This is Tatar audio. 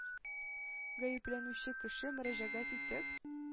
Гаепләнүче кеше, мөрәҗәгать итеп: